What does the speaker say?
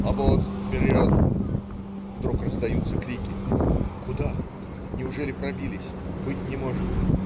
"Обоз вперед!"-вдруг раздаются крики. Куда? Неужели пробились? Быть не может!